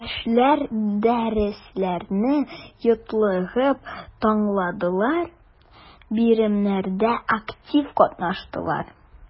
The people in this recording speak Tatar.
Яшьләр дәресләрне йотлыгып тыңладылар, биремнәрдә актив катнаштылар.